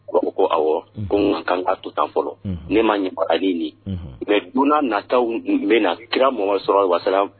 G ko ɔwɔ ko ka kan ka tu tan fɔlɔ ne ma ɲɛ nin bɛ dunan na bɛ na kira mɔgɔ sɔrɔ wasa